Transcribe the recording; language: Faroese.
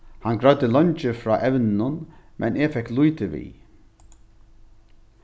hann greiddi leingi frá evninum men eg fekk lítið við